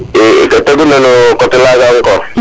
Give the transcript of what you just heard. i ke teguna no coté laga encore